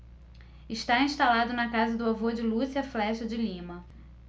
está instalado na casa do avô de lúcia flexa de lima